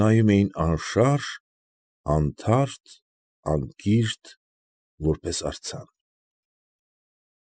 Նայում էին անշարժ, անթարթ, անկիրք՝ որպես արձան։